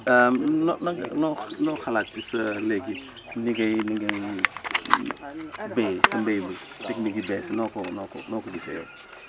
noo nan nga noo xalaat ci sa léegi ni ngay ni ngay bayee mbay mi technique yu bees yi noo ko noo ko noo ko noo ko gisee yow